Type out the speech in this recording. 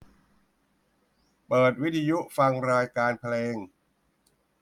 เปิดวิทยุฟังรายการเพลง